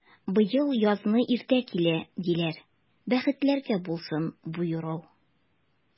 Быел язны иртә килә, диләр, бәхетләргә булсын бу юрау!